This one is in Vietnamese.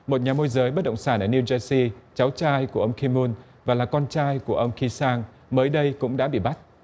một nhà môi giới bất động sản ở niu ria xi cháu trai của ông kim un và là con trai của ông ki sang mới đây cũng đã bị bắt